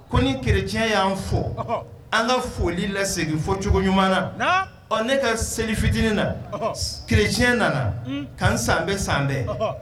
Ko ni kerecɛn yann fɔ , an ka foli lasegin fɔ cogo ɲuman na . Ɔn ne ka seli fitinin na kerecɛn nana ka n sanbɛ sanbɛn.